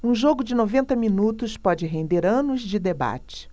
um jogo de noventa minutos pode render anos de debate